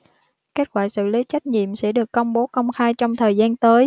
kết quả xử lý trách nhiệm sẽ được công bố công khai trong thời gian tới